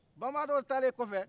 banbadɔ taalen kɔfɛ